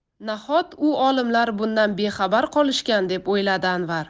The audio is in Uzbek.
nahot u olimlar bundan bexabar qolishgan deb o'yladi anvar